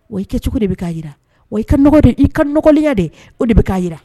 Wa i kɛ cogo de bi ka yira. Wa i ka nɔgɔ dɛ, i ka nɔgɔlen ya dɛ. O de bi ka yira.